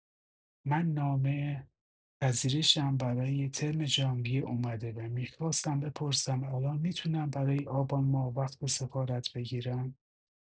من نامه پذیرشم برای ترم ژانویه اومده و می‌خواستم بپرسم الان می‌تونم برای آبان‌ماه وقت سفارت بگیرم؟